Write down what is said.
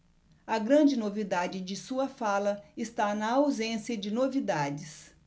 a grande novidade de sua fala está na ausência de novidades